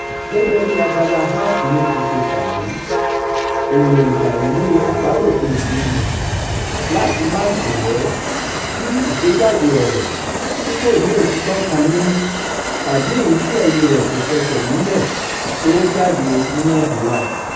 Gẹ́gẹ́ bí Abala 1A ti ṣe ṣàlàyé, èròńgbà ìwé àbádòfin yìí ni láti "[máà jẹ́] kí ìgbéjáde ọ̀rọ̀ tí kò ní òtítọ́ kan nínú tàbí èyí tí ẹ̀ríi rẹ̀ kò f'ẹsẹ̀ rinlẹ̀ tó ó jáde ní Nàìjíríà".